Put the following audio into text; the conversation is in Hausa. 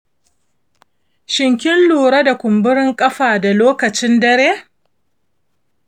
shin kin lura da ƙumburin ƙafa da lokacin dare?